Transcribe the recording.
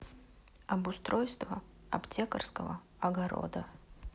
обустройство аптекарского огорода